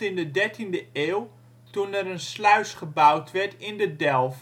in de dertiende eeuw toen er een sluis gebouwd werd in de Delf.